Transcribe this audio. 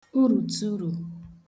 urùturù